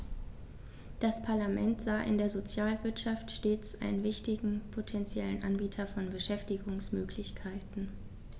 Das Parlament sah in der Sozialwirtschaft stets einen wichtigen potentiellen Anbieter von Beschäftigungsmöglichkeiten.